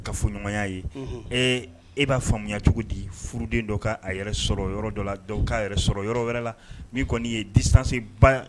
Aa sɔrɔ yɔrɔ dɔ la'a sɔrɔ yɔrɔ wɛrɛ la kɔni ye